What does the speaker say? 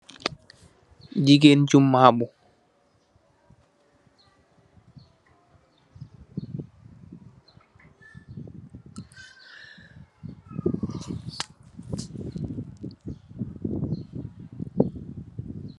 Jigeen ju mabu.